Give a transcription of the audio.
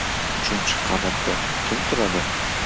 uchinchi qavatda kim turadi